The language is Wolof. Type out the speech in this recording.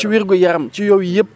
ci wér-gu-yaram ci yooyu yëpp